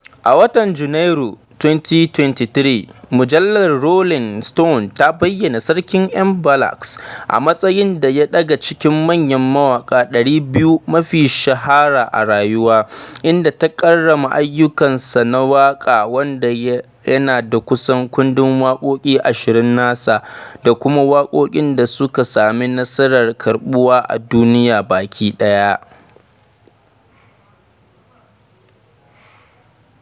A watan Janairun 2023, mujallar Rolling Stone ta bayyana sarkin Mbalax a matsayin ɗaya daga cikin manyan mawaƙa 200 mafi shahara a rayuwa, inda ta karrama ayyukan sa na waƙa, wanda yana da kusan kundin waƙoƙi ashirin nasa, da kuma waƙoƙin da suka sami nasarar karɓuwa a duniya baki ɗaya.